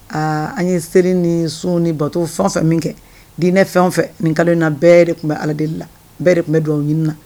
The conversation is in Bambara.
Aa an ye seli ni sun ni bato fɛn o fɛn min kɛ diinɛ fɛn o fɛn nin kalo in na bɛɛ de tun bɛ Ala deli la bɛɛ de tun bɛ dugawu ɲini na